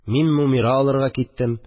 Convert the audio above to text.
Мин нумера алырга киттем